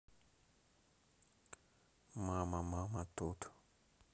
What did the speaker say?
мама мама тут